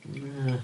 Na.